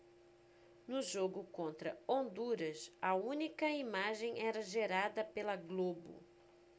no jogo contra honduras a única imagem era gerada pela globo